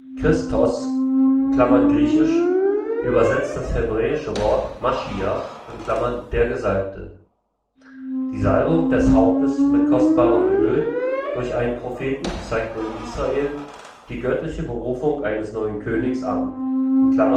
Christos “(griech.) übersetzt das hebräische Wort Maschiach („ der Gesalbte “). Die Salbung des Hauptes mit kostbarem Öl durch einen Propheten zeigte in Israel die göttliche Berufung eines neuen Königs an (1 Sam